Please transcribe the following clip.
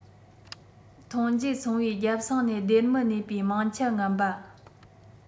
ཐོན འབྱེད ཚོང པས རྒྱབ གསང ནས སྡེར མི གནས པའི མིང ཆད ངན པ